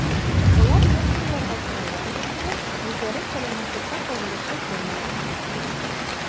Алар лекторларга сораулар бирделәр, үзләре сәламәтлеккә кагылышлы темалар күтәрделәр.